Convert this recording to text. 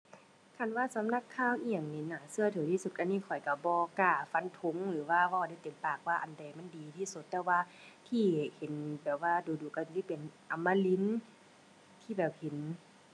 คันว่าสำนักข่าวอิหยังนี่น่าเชื่อถือที่สุด อันนี้ข้อยเชื่อบ่กล้าฟันธง หรือว่าเว้าได้เต็มปากว่าอันใดมันดีที่สุด แต่ว่าที่เห็นแบบว่าดู๋ดู๋เชื่อจิเป็นอมรินทร์ ที่แบบเห็น